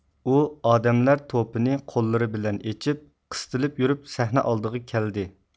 ئۇ ئادەملەر توپىنى قوللىرى بىلەن ئېچىپ قىستىلىپ يۈرۈپ سەھنە ئالدىغا كەلدى